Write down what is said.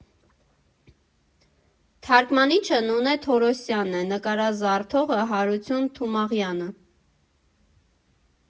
Թարգմանիչը Նունե Թորոսյանն է, նկարազարդողը՝ Հարություն Թումաղյանը։